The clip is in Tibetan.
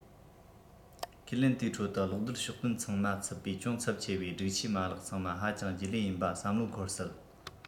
ཁས ལེན དེའི ཁྲོད དུ གློག རྡུལ ཕྱོགས སྟོན ཚང མ ཚུད པའི ཅུང ཚབས ཆེ བའི སྒྲིག ཆས མ ལག ཚང མ ཧ ཅང རྗེས ལུས ཡིན པ བསམ བློར འཁོར སྲིད